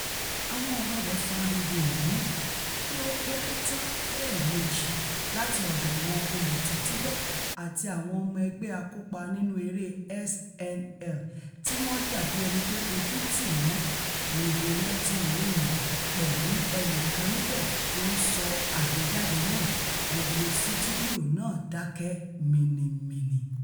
Àwọn ọ̀rọ̀ rẹ̀ fa ariwo ìhónú ní ó kéré tán lẹ́ẹ̀mẹjì láti ọ̀dọ̀ àwọn olùtẹ́tígbọ́ àti àwọn ọmọ ẹgbẹ́ akópá nínú eré SNL tíwọn dàbí ẹnipé ojú tìwọn, ni Variety ròyìn, pẹ̀lú ẹnìkan níbẹ̵̵̀ tó ńsọ àgbéjáde náà. ''Gbogbo situdio náà dákẹ́ minimini.''